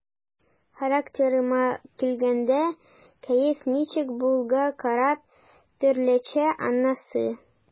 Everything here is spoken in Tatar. Характерыма килгәндә, кәеф ничек булуга карап, төрлечә анысы.